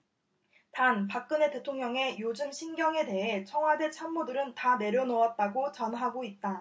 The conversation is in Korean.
단박근혜 대통령의 요즘 심경에 대해 청와대 참모들은 다 내려놓았다고 전하고 있다